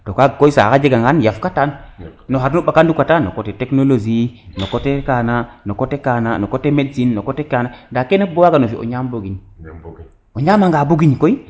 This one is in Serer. to kaga koy saxa jega ngan yaf ka tan no xar nu mbakanu kata no coté technologie no coté kana no coté medecine no coté kana kene fop bo waga no fi o ñam bo giñ o ñamanga bo giñ koy